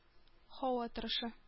Һава торышы